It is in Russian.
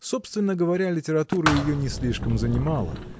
Собственно говоря, литература ее не слишком занимала.